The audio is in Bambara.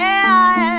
eyaye